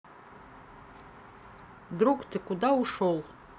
друг ты куда ушел